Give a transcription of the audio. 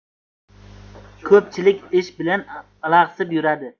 ko'pchilik ish bilan alaxsib yuradi